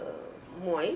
mooy